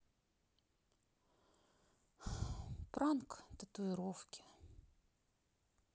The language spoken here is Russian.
пранк татуировки